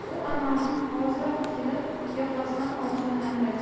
u anvarning hoziroq kelib yoqasidan olishini angladi